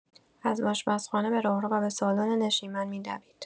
از آشپزخانه به راهرو و به سالن نشیمن می‌دوید.